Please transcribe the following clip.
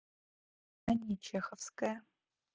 а нечеховская